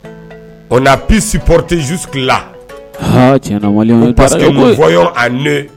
On a pu supporter jusque là aa tiɲɛ na maliyɛnw ye baara kɛ koyi, parce que nous voyons en eux